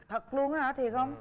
thật lun á hả thiệt hông